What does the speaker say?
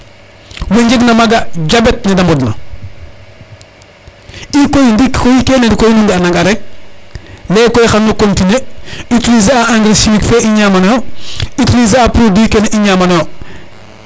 we njeg na maga diabete nede bond na i koy ndiki koy kene nu nga na nga rek leye koy xanu continuer utiliser a engrais chimique fe i ñamano yo utiliser a produit kene i ñamano yo